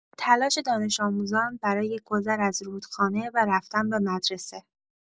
تلاش دانش‌آموزان برای گذر از رودخانه و رفتن به مدرسه